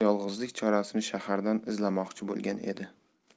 yolg'izlik chorasini shahardan izlamoqchi bo'lgan edi